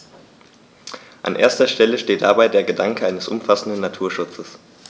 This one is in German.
An erster Stelle steht dabei der Gedanke eines umfassenden Naturschutzes.